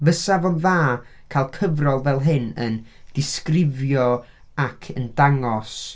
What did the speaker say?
..Fysa fo'n dda cael cyfrol fel hyn yn disgrifio ac yn dangos...